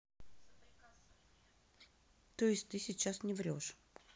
то есть ты сейчас не врешь